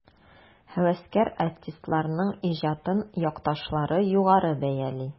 Һәвәскәр артистларның иҗатын якташлары югары бәяли.